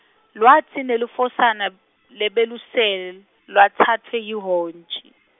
lwatsi nelufosana, lebelusele, lwatsatfwe yihhontji.